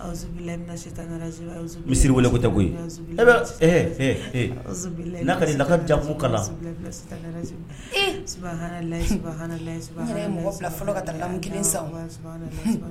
Misisiriri weele ko tɛa laka janfu